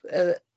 yy